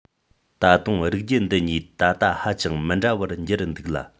ད དུང རིགས རྒྱུད འདི གཉིས ད ལྟ ཧ ཅང མི འདྲ བར གྱུར འདུག ལ